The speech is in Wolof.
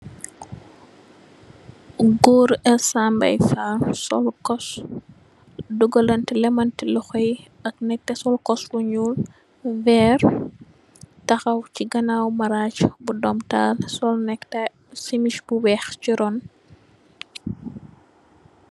Ku gorre essa mbaye fall sol coss, dugalanteh lehmanteh lokhor yii, ak nek teh sol coss gu njull, bu wekh, takhaw chi ganaw marajj bu dorm taal, sol necktie, chemise bu wekh chi ron.